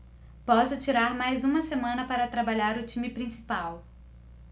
posso tirar mais uma semana para trabalhar o time principal